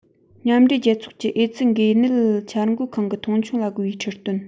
མཉམ འབྲེལ རྒྱལ ཚོགས ཀྱི ཨེ ཙི འགོས ནད འཆར འགོད ཁང གི མཐོང ཆུང ལ རྒོལ བའི ཁྲིད སྟོན